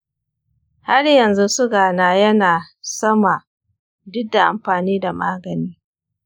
har yanzu sugana ya na sama duk da amfani da magani.